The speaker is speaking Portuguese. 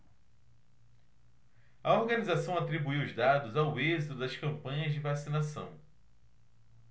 a organização atribuiu os dados ao êxito das campanhas de vacinação